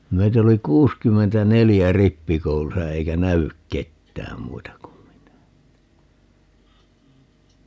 meitä oli kuusikymmentäneljä rippikoulussa eikä näy ketään muita kuin minä että